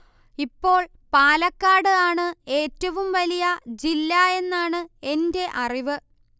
ഇപ്പോൾ പാലക്കാട് ആണ് ഏറ്റവും വലിയ ജില്ല എന്നാണ് എന്റെ അറിവ്